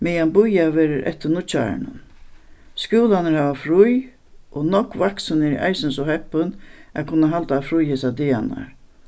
meðan bíðað verður eftir nýggjárinum skúlarnir hava frí og nógv vaksin eru eisini so heppin at kunna halda frí hesar dagarnar